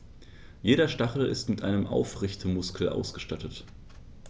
Jeder Stachel ist mit einem Aufrichtemuskel ausgestattet.